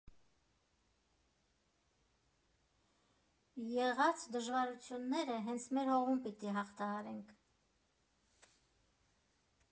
Եղած դժվարությունները հենց մեր հողում պիտի հաղթահարենք։